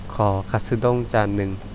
ขอคัตสึด้งจานหนึ่ง